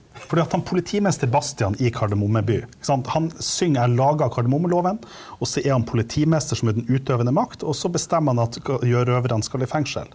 fordi at han politimester Bastian i Kardemomme by ikke sant, han synger eller lager kardemommeloven, og så er han politimester som er den utøvende makt, og så bestemmer han at røverne skal i fengsel.